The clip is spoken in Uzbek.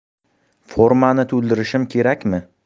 formani to'ldirishim kerakmi